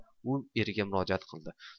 u eriga murojaat qildi